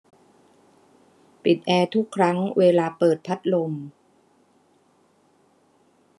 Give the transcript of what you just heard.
ปิดแอร์ทุกครั้งเวลาเปิดพัดลม